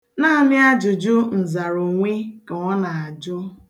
Naanị ajụjụ nzaroonwe ka ọ na-ajụ.